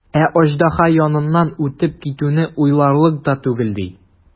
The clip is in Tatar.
Ә аждаһа яныннан үтеп китүне уйларлык та түгел, ди.